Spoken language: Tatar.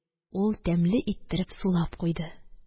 Ул тәмле иттереп сулап куйды.